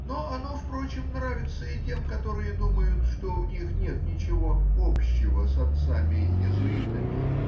но оно, впрочем, нравится и тем, которые думают, что у них нет ничего общего с отцами иезуитами.